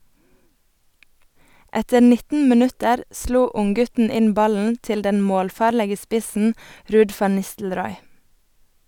Etter 19 minutter slo unggutten inn ballen til den målfarlige spissen Ruud van Nistelrooy.